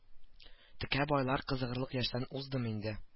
Текә байлар кызыгырлык яшьтән уздым инде